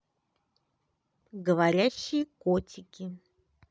говорящие котики